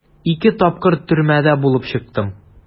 Ике тапкыр төрмәдә булып чыктым.